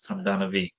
Amdana fi.